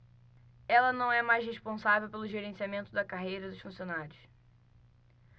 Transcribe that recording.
ela não é mais responsável pelo gerenciamento da carreira dos funcionários